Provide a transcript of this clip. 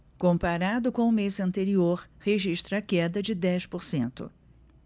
comparado com o mês anterior registra queda de dez por cento